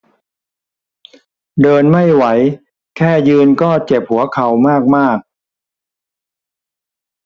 เดินไม่ไหวแค่ยืนก็เจ็บหัวเข่ามากมาก